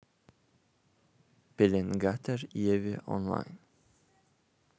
пеленгатор еве онлайн